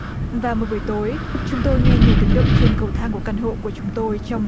và một buổi tối chúng tôi nghe nhiều tiếng động trên cầu thang của căn hộ của chúng tôi trong